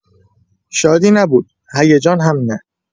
شادی نبود، هیجان هم نه؛